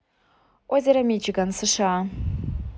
озеро мичиган сша